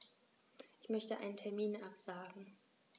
Ich möchte einen Termin absagen.